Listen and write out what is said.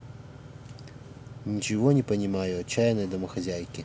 ничего не понимаю отчаянные домохозяйки